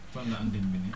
fan la antenne bi nekk